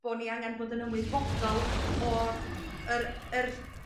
bo' ni angan bod yn ymwybodol o'r yr yr